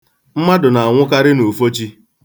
Mmadụ na-anwụkarị n'ufochi.